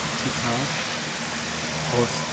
Zitat aus